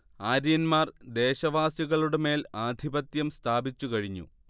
ആര്യന്മാർ ദേശവാസികളുടെമേൽ ആധിപത്യം സ്ഥാപിച്ചു കഴിഞ്ഞു